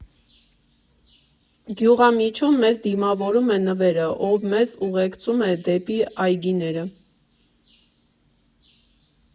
Գյուղամիջում մեզ դիմավորում է Նվերը, ով մեզ ուղեկցում է դեպի այգիները։